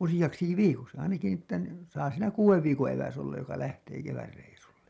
useaksikin viikoksi ainakin niin että niin saa siinä kuuden viikon eväs olla joka lähtee kevätreissulle